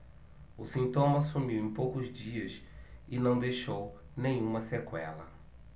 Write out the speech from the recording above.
o sintoma sumiu em poucos dias e não deixou nenhuma sequela